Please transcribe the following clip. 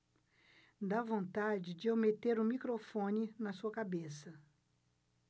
dá vontade de eu meter o microfone na sua cabeça